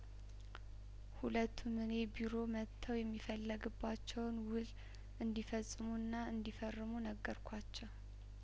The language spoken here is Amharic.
ሁለቱም እኔ ቢሮ መጥተው የሚፈለግባቸውን ውል እንዲ ፈጽሙና እንዲ ፈርሙ ነገር ኳቸው